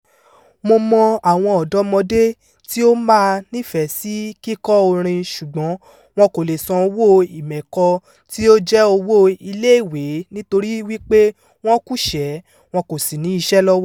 "Mo mọ àwọn ọ̀dọ́mọdé tí ó máa nífẹ̀ẹ́ sí kíkọ́ orin ṣùgbọ́n wọn kò leè san owó ìmẹ̀kọ tí ó jẹ́ owó iléèwé nítorí wípé wọn kúṣẹ̀ẹ́ wọn kò sì ní iṣẹ́ lọ́wọ́ ".